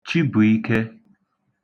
Chibụīkē